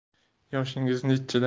yoshingiz nechida